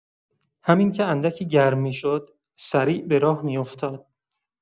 همین که اندکی گرم می‌شد، سریع به راه می‌افتاد.